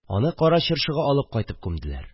Аны Кара Чыршыга алып кайтып күмделәр